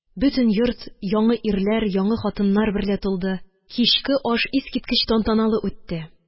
Бөтен йорт яңы ирләр, яңы хатыннар берлә тулды. Кичке аш искиткеч тантаналы үтте.